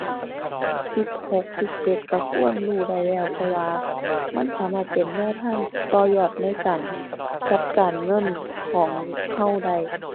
สิบหกสิบเจ็ดก็ควรรู้ได้แล้ว เพราะว่ามันสามารถเป็นแนวทางต่อยอดในการจัดการเงินของก็ได้